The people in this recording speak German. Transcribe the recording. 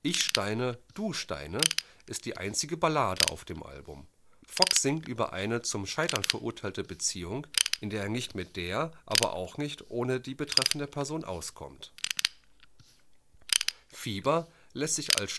Steine, Du Steine ist die einzige Ballade auf dem Album. Fox singt über eine zum Scheitern verurteilte Beziehung, in der er nicht mit der aber auch nicht ohne die betreffende Person auskommt. Fieber lässt sich als